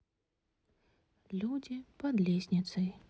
люди под лестницей